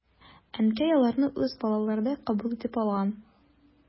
Әнкәй аларны үз балаларыдай кабул итеп алган.